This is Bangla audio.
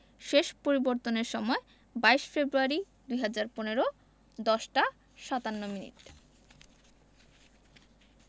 শেষ পরিবর্তনের সময় ২২ ফেব্রুয়ারি ২০১৫ ১০ টা ৫৭ মিনিট